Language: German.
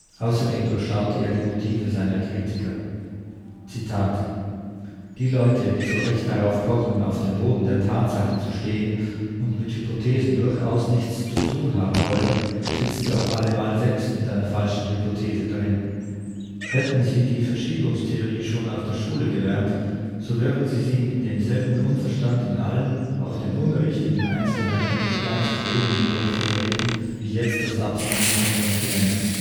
Außerdem durchschaute er die Motive seiner Kritiker: „ Die Leute, die so recht darauf pochen, auf dem Boden der Tatsachen zu stehen und mit Hypothesen durchaus nichts zu tun haben wollen, sitzen doch allemal selbst mit einer falschen Hypothese drin [...]. Hätten sie die Verschiebungstheorie schon auf der Schule gelernt, so würden sie sie mit demselben Unverstand in allen, auch den unrichtigen Einzelheiten, ihr ganzes Leben hindurch vertreten, wie jetzt das Absinken von Kontinenten